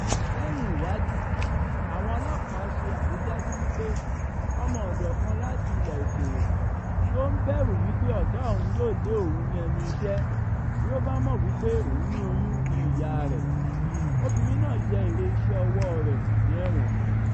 Lẹ́yìn ìwádìí, àwọn ọlọ́pàá ṣe àrídájú wípé ọmọ-ọ̀dọ̀ kan láti ilẹ̀ òkèèrè tí ó ń bẹ̀rù wípé ọ̀gá òun yóò lé òun ni ẹnu iṣẹ́ bí ó bá mọ̀ wípé òun ní oyún ni ìyáa rẹ̀. Obìrin náà jẹ èrè iṣẹ́ ọwọ́ọ rẹ̀ ní ẹ̀wọ̀n.